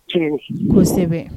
Kosɛbɛ